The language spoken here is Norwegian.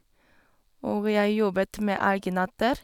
Og jeg jobbet med alginater.